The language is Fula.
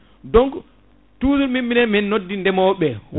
donc toujours minen min noddi ndeemoɓeɓe